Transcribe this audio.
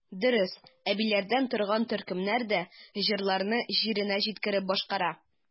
Дөрес, әбиләрдән торган төркемнәр дә җырларны җиренә җиткереп башкара.